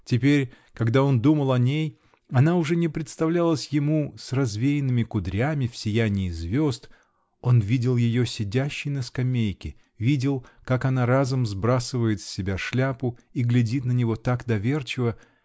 Теперь, когда он думал о ней, -- она уже не представлялась ему с развеянными кудрями, в сиянии звезд, -- он видел ее сидящей на скамейке, видел, как она разом сбрасывает с себя шляпу и глядит на него так доверчиво.